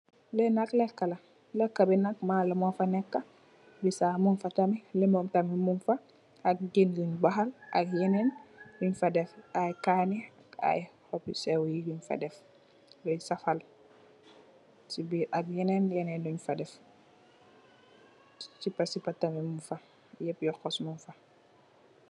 Lii nak leekë la, leeka bi nak maalo moo fa neekë, ak bisaap muñ fa tam, limoñ tam mung fa ak jën buñ baxal ak yenen yuñ fa def, kaane,..ay yu seew yuñ fa def yuy safal si biiram yenen yuñ fa def. Sipasipa tam muñ fa, yoxos tam muñ fa.